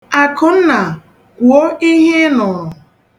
Akụnna, kwuo ihe ị nụrụ.